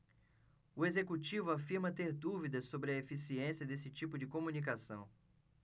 o executivo afirma ter dúvidas sobre a eficiência desse tipo de comunicação